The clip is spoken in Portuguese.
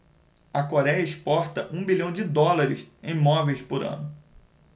a coréia exporta um bilhão de dólares em móveis por ano